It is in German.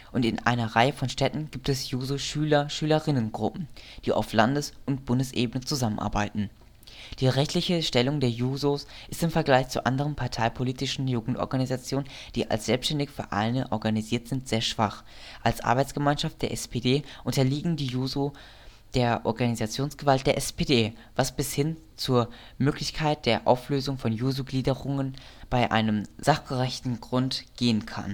und in einer Reihe von Städten gibt es Juso-SchülerInnen-Gruppen, die auf Landes - und Bundesebene zusammenarbeiten. Die rechtliche Stellung der Jusos ist im Vergleich zu anderen parteipolitischen Jugendorganisationen, die als selbständige Vereine organisiert sind, sehr schwach. Als Arbeitsgemeinschaft der SPD unterliegen die Jusos der Organisationsgewalt der SPD, was bis hin zur Möglichkeit der Auflösung von Juso-Gliederungen bei einem sachgerechten Grund gehen kann